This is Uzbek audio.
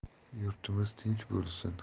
yurtimiz tinch bo'lsin